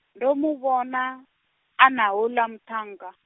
ndo muvhona, ana houḽa muṱhannga.